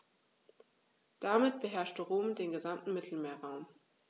Damit beherrschte Rom den gesamten Mittelmeerraum.